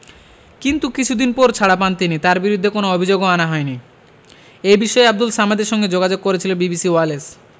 কিন্তু কিছুদিন পর ছাড়া পান তিনি তাঁর বিরুদ্ধে কোনো অভিযোগও আনা হয়নি এ বিষয়ে আবদুল সামাদের সঙ্গে যোগাযোগ করেছিল বিবিসি ওয়ালেস